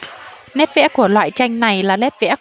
nét vẽ của loại tranh này là nét vẽ